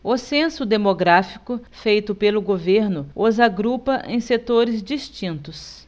o censo demográfico feito pelo governo os agrupa em setores distintos